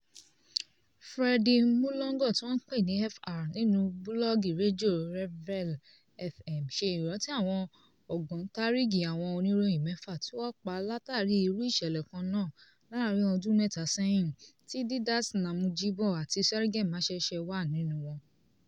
Freddy Mulongo [Fr] nínú búlọ́ọ̀gù Radio Revéil FM, ṣe ìrántí àwọn ógbóǹtarigì àwọn oníròyìn mẹ́fa tí wọ́n pa látàrí irú ìṣẹ̀lẹ̀ kan nàà láàárìn ọdún mẹ́ta sẹ́yìn tí Didace Namujimbo àti Serge Maheshe wà nínu wọn.